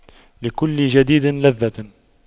لكل جديد لذة